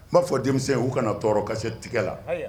N b'a fɔ denmisɛn'u kana tɔɔrɔ kasɛ tiga la